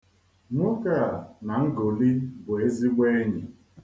Nwoke a na ngoli bụ ezigbo enyi.